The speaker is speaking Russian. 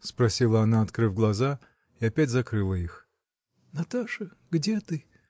— спросила она, открыв глаза, и опять закрыла их. — Наташа, где ты?